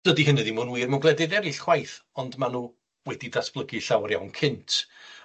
Dydi hynny ddim yn wir mewn gwledydd eraill chwaith, ond ma' nw wedi datblygu llawer iawn cynt